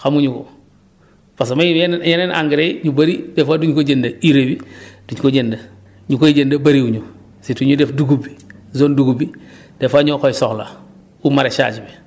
xamuñu ko parce que yenn yeneen engrais yi énu bëri des fois du ñu ko jënd urée bi du ñu ko jënd énu koy jënd bëriwuñu surtout ñiy def dugub bi zone dugub bi des fois ñoo koy soxla ou maraîchage bi